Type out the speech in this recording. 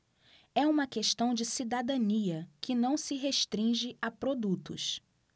é uma questão de cidadania que não se restringe a produtos